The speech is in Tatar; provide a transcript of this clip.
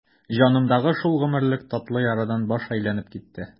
Җанымдагы шул гомерлек татлы ярадан баш әйләнеп китте.